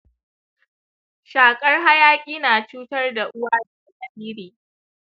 shakar hayaki na cutar da uwa da jariri.